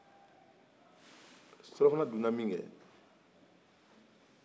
surafana dunna min kɛ